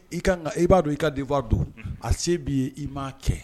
I b'a dɔn i ka di don a se b'i ye i m ma kɛ